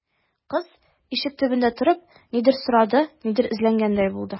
Кыз, ишек төбендә торып, нидер сорады, нидер эзләгәндәй булды.